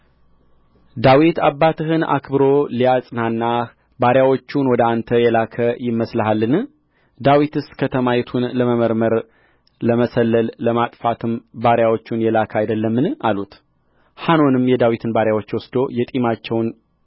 ዳዊት አባትህን አክብሮ ሊያጽናናህ ባሪያዎቹን ወደ አንተ የላከ ይመስልሃልን ዳዊትስ ከተማይቱን ለመመርመርና ለመሰለል ለማጥፋትም ባሪያዎቹን የላከ አይደለምን አሉት ሐኖንም የዳዊትን ባሪያዎች ወስዶ የጢማቸውን